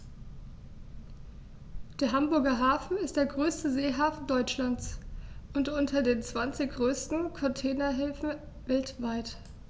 Der Hamburger Hafen ist der größte Seehafen Deutschlands und unter den zwanzig größten Containerhäfen weltweit.